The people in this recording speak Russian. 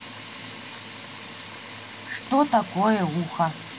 что такое ухо